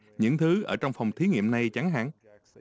những thứ ở trong phòng thí nghiệm này chẳng hạn